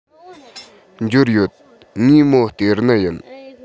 འབྱོར ཡོད ངས མོར སྟེར ནི ཡིན